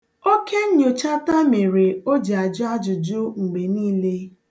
Oke nnyochata mere o ji ajụ ajụjụ mgbe niile.